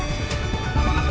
chúng